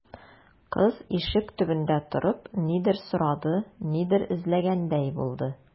Кыз, ишек төбендә торып, нидер сорады, нидер эзләгәндәй булды.